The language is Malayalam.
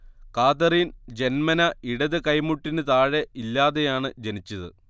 കാതറീൻ ജന്മനാ ഇടത് കൈമുട്ടിന് താഴെ ഇല്ലാതെയാണ് ജനിച്ചത്